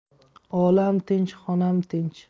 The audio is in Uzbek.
olam tinch xonam tinch